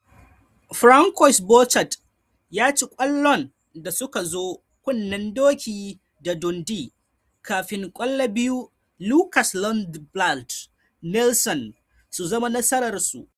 Francois Bouchard ya ci kwallon da suka zo kunnen doki da Dundee kafin kwallo biyun Lucas Lundvald Nielsen su zama nasarar su.